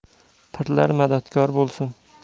pirlar madadkor bo'lsun